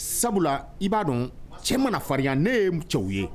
Sabula i b'a dɔn cɛ ma na farinya ne ye cɛw ye